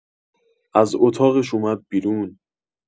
از اتاقش اومد بیرون